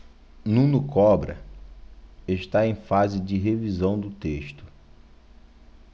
nuno cobra está em fase de revisão do texto